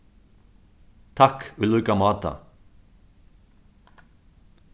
takk í líka máta